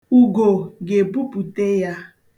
Ugo ga-ebupute ya.